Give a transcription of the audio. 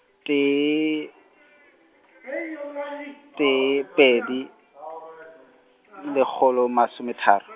tee, tee pedi, lekgolo masometharo.